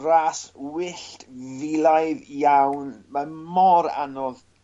ras wyllt fulaidd iawn mae mor anodd